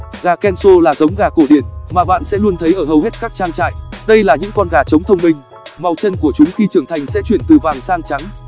gà kelso là giống gà cổ điển mà bạn sẽ luôn thấy ở hầu hết các trang trại đây là những con gà trống thông minh màu chân của chúng khi trưởng thành sẽ chuyển từ vàng sang trắng